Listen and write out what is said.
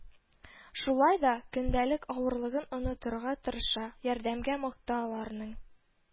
Шулай да, көндәлек авырлыгын онытырга тырыша, ярдәмгә мохта аларның